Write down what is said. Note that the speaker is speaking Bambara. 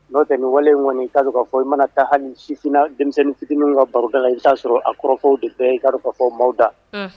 No tɛmɛn wale in kɔni kafɔ i mana ka hali sifin denmisɛnnin fitinin ka baroda la i t'a sɔrɔ a kɔrɔfɔw de bɛɛ kafafɔ maawda